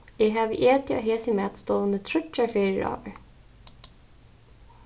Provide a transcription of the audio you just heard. eg havi etið á hesi matstovuni tríggjar ferðir áður